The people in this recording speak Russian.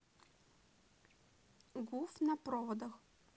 гуф на проводах